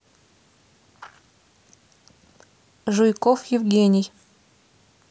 жуйков евгений